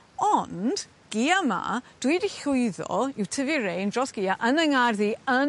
ond Gia 'ma dwi 'di llwyddo i'w tyfu rein dros Gia yn yng ngardd i yn...